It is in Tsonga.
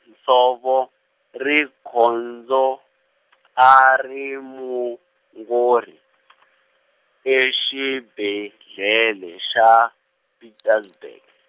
Nsovo, Rikhondzo , a ri muongori , exibedlele xa, Pietersburg.